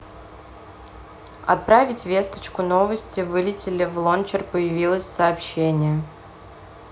отправить весточку новости вылетели в лончер появилось сообщение